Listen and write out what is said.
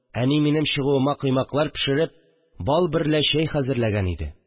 Әни минем чыгуыма коймаклар пешереп, бал берлә чәй хәзерләгән иде